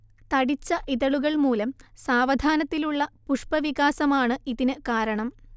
തടിച്ച ഇതളുകൾ മൂലം സാവധാനത്തിലുള്ള പുഷ്പവികാസമാണ് ഇതിന് കാരണം